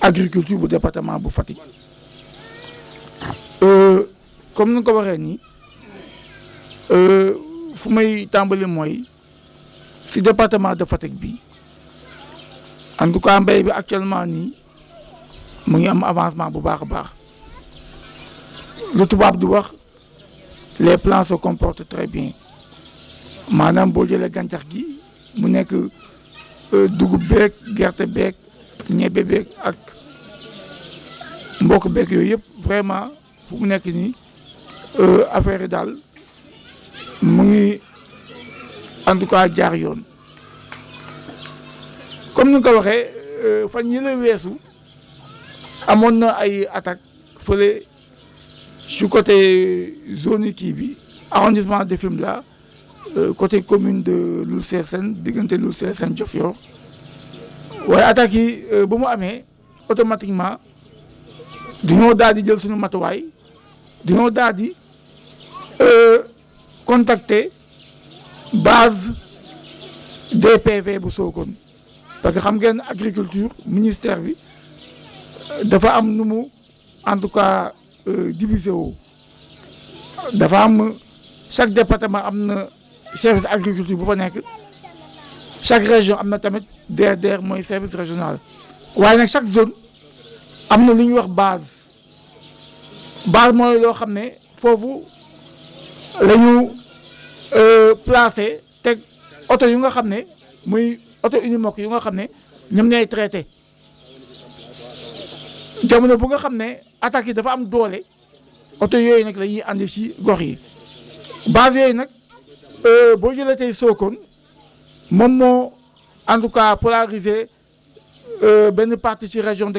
agriculture bu département bu Fatick comme ni nga kowaxee nii fu may tàmbalee mooy si département de Fatick bi en tout cas mbéy bi actuellement nii mu ngi am avancement bu baax a baax lu tubaab di wax les palns se comportent très bien maanaam boo jëlee gàncax gi mu nekk dugub beeg gerte beeg ñebe beeg ak mboq beeg yooyu yëpp vraiment fu mu nekk nii affaire yi daal mu ngi en tout cas jaar yoon comme ni nga ko waxee fan yële weesu amoon na ay attaques fële si côté zone nu kii bi arrondissement de Fimela côté commune de Loul Sesene diggante Loul Sesene Diofior waaye attaques yi ba mu amee automatiquement dañoo daal di jël suñu matuwaay dañoo daal di contacter base DPV bu Sokone parce xa ngeen ne agriculture ministère bi dafa am nu mu en tout cas divisé woo dafa am chaque département am na service agriculture bu fa nekk chaque région am na tamit DRDR mooy service régional waaye nag chaque zone am na lu ñuy wax base base mooy loo xam e foofu la ñu placé teg oto yu nga xam ne muy oto Unimog yu nga xam ne ñoom ñooy traité jamono bu nga xam ne attaques yi dafa am doole oto yooyu nag la ñuy andi si gox yi base yooyu nag boo jëlee tey sokone moom moo en tout cas porariser benn partie ci région de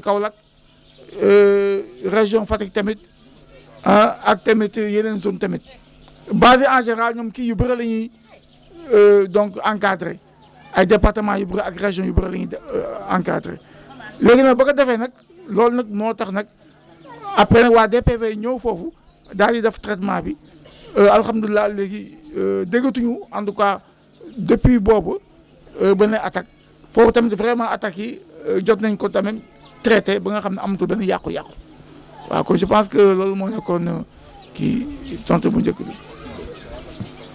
Kaolack région Fatick tamit ah ak tamit yeneen zone tamit base yi en général ñoom kii yu bëri la ñuy donc encadrer ay département yu bëri ak région yu bëri la ñuy encadré léegi nag bu ko defee nag loolu nag moo tax nag après nag waa DPV ñëw foofu daal di def traitement bi alhamdulilah léegi déggatuñu en tout cas depuis boobu benn attaque foofu tamit vraiment attaques yi jot nañu ko tamit traité bi ba nga xam ne amatul benn yàqu-yàqu waaw kon je pense que loolu moo nekkoon kii ci tontu bu njëkk bi